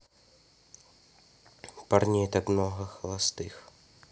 парней так много холостых